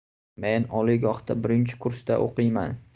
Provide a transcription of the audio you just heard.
men oliygohning birinchi kursida o'qiyman